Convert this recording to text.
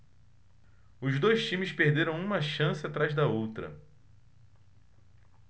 os dois times perderam uma chance atrás da outra